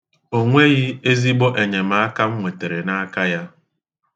O nweghị ezigbo enyemaka m nwetere n'aka ya.